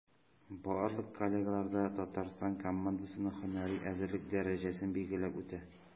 Барлык коллегалар да Татарстан командасының һөнәри әзерлек дәрәҗәсен билгеләп үтә.